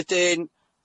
Wedyn